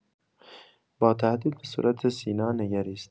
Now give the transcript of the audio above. با تهدید به صورت سینا نگریست.